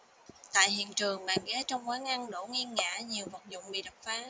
tại hiện trường bàn ghế trong quán ăn đổ nghiêng ngả nhiều vật dụng bị đập phá